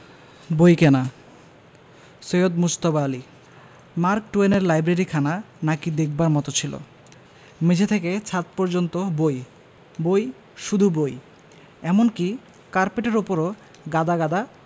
বইকেনা Syed Mujtaba Ali Mark টুয়েনের লাইব্রেরিখানা নাকি দেখবার মত ছিল মেঝে থেকে ছাত পর্যন্ত বই বই শুধু বই এমনকি কার্পেটের উপরও গাদা গাদা